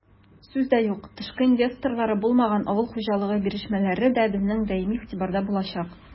Сүз дә юк, тышкы инвесторлары булмаган авыл хуҗалыгы берләшмәләре дә безнең даими игътибарда булачак.